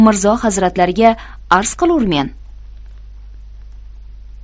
mirzo hazratlariga arz qilurmen